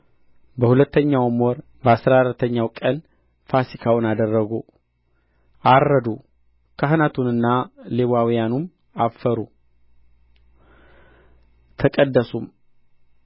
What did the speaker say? በሁለተኛውም ወር በአሥራ አራተኛው ቀን ፋሲካውን አረዱ ካህናቱና ሌዋውያኑም አፈሩ ተቀደሱም